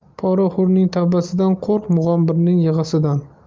poraxo'rning tavbasidan qo'rq mug'ombirning yig'isidan